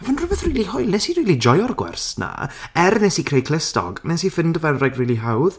Fi'n credu ma' fe'n rywbeth really hwyl... wnes i rili joio'r gwers 'na. Er wnes i creu clustog, wnes i ffindo fe'n like rili hawdd.